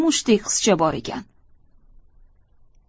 mushtdek qizcha bor ekan